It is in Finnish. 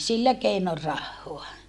sillä keinoin rahaa